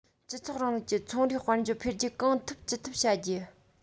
སྤྱི ཚོགས རིང ལུགས ཀྱི ཚོང རའི དཔལ འབྱོར འཕེལ རྒྱས གང ཐུབ ཅི ཐུབ བྱ རྒྱུ